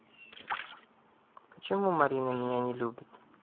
почему марина меня не любит